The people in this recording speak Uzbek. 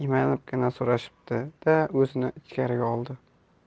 iymanibginaso'rashdi da o'zini ichkari oldi